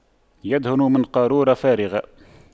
يدهن من قارورة فارغة